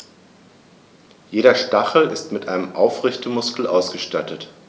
Jeder Stachel ist mit einem Aufrichtemuskel ausgestattet.